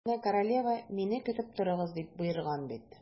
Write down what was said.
Өстәвенә, королева: «Мине көтеп торыгыз», - дип боерган бит.